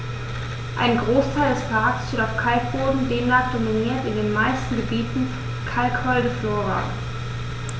Ein Großteil des Parks steht auf Kalkboden, demnach dominiert in den meisten Gebieten kalkholde Flora.